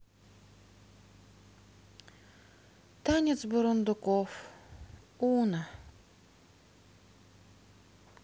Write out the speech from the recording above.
танец бурундуков уно